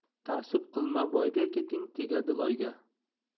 taassub qilma boyga keting tegadi loyga